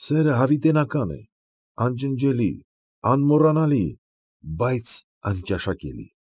Սերը հավիտենական է, անջնջելի, անմոռանալի, բայց անճաշակելի։